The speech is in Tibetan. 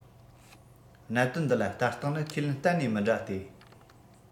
གནད དོན འདི ལ ལྟ སྟངས ནི ཁས ལེན གཏན ནས མི འདྲ སྟེ